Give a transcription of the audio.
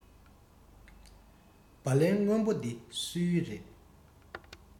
སྦ ལན སྔོན པོ འདི སུའི རེད